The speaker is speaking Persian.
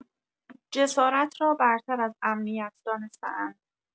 جسارت را برتر از امنیت دانسته‌اند.